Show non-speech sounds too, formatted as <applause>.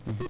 <hesitation> <hesitation>